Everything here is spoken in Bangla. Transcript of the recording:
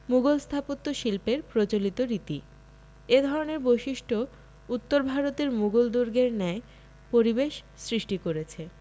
মুগল স্থাপত্য শিল্পের প্রচলিত রীতি এ ধরনের বৈশিষ্ট্য উত্তর ভারতের মুগল দুর্গের ন্যায় পরিবেশ সৃষ্টি করেছে